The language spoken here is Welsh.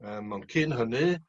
Yym ond cyn hynny